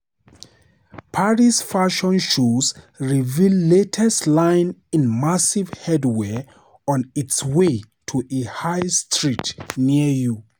Paris fashion shows reveal latest line in massive headwear on it's way to a High Street near you